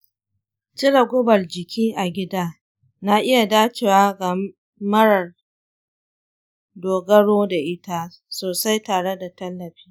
cire gubar jiki a gida na iya dacewa ga marar dogaro da ita sosai tare da tallafi.